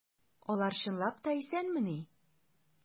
Алар чынлап та исәнмени?